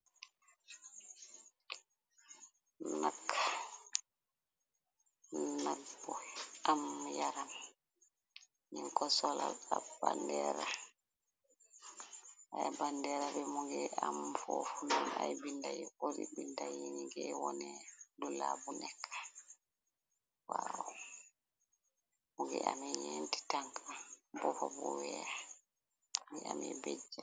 Nak nak bu am yaram ñin ko solal pa bandeera, y bandeera bi mu ngi am foofuno ay bindayi bori. Binda yi nigi wone dula bu nekk waaw, mungi ame ñenti tank buxobu weex, mungi ame bejen.